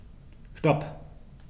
Stop.